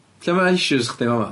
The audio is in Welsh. ...lle ma' 'na issues chdi fa' 'ma?